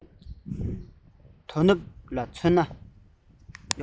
དོ ནུབ ལ མཚོན ན